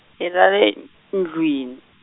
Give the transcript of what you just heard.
i ra le n-, ndlwini.